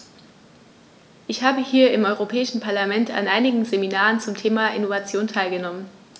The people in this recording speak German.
Ich habe hier im Europäischen Parlament an einigen Seminaren zum Thema "Innovation" teilgenommen.